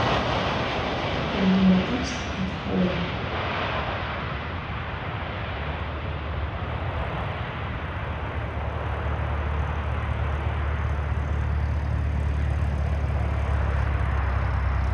Jangalekāt akk halèh